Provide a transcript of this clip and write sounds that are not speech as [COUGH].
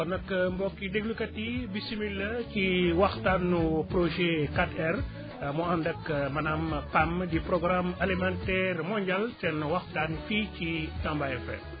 kon nag mbokku déglukat yi bisimilaa ci waxtaanu projet 4R [MUSIC] mu ànd ak maanaam PAM di programme alimentaire mondial seen waxtaan fii ci Tamba FM